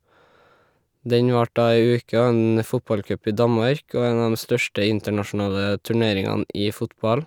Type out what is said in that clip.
Den varte da ei uke og er en fotballcup i Danmark, og en av dem største internasjonale turneringene i fotball.